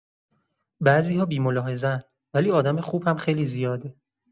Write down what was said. بعضی‌ها بی‌ملاحظه‌ان، ولی آدم خوب هم خیلی زیاده.